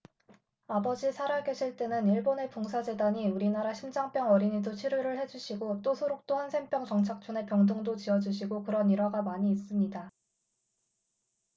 아버지 살아계실 때는 일본의 봉사재단이 우리나라 심장병 어린이도 치료를 해주시고 또 소록도 한센병 정착촌에 병동도 지어주시고 그런 일화가 많이 있습니다